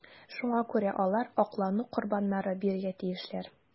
Шуңа күрә алар аклану корбаннары бирергә тиешләр.